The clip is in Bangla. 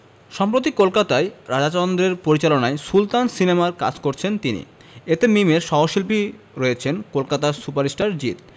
সম্প্রতি কলকাতায় রাজা চন্দের পরিচালনায় সুলতান সিনেমার কাজ করেছেন তিনি এতে মিমের সহশিল্পী রয়েছেন কলকাতার সুপারস্টার জিৎ